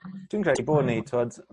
Dwi'n credu bod ni t'wod